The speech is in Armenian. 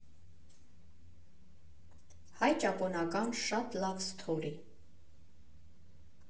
Հայ֊ճապոնական շատ լավ սթորի։